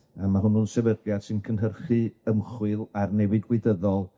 ###a ma' hwnnw'n sefydliad sy'n cynhyrchu ymchwil ar newid gwleidyddol